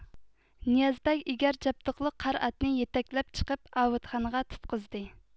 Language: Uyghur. نىياز بەگ ئېگەر جابدۇقلۇق قارا ئاتنى يېتەكلەپ چىقىپ ئاۋۇتخانغا تۇتقۇزدى